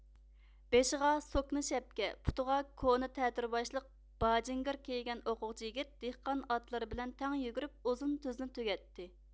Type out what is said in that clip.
بېشىغا سوكنا شەپكە پۇتىغا كونا تەتۈر باشلىق باجىنگىر كىيگەن ئوقۇغۇچى يىگىت دېھقان ئاتلىرى بىلەن تەڭ يۈگۈرۈپ ئۇزۇن تۈزنى تۈگەتتى